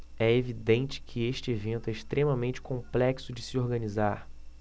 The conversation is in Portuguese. é evidente que este evento é extremamente complexo de se organizar